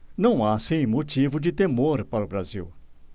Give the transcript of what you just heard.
não há assim motivo de temor para o brasil